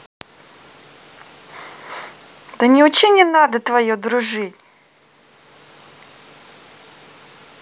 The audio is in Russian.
да не учи не надо твое дружить